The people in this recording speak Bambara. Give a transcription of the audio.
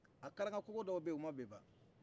a karanka koko dɔw be ye u ma bin fɔlɔ